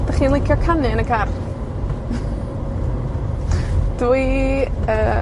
Ydych chi'n licio canu yn y car? Dwi, yy,